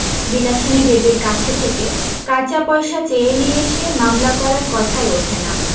বিলাসিনী দেবীর কাছে থেকে কাঁচা পয়সা চেয়ে নিয়ে এসে মামলা করার কথাই ওঠে না